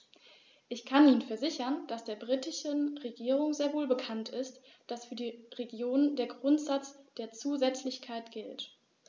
Ich kann Ihnen versichern, dass der britischen Regierung sehr wohl bekannt ist, dass für die Regionen der Grundsatz der Zusätzlichkeit gilt.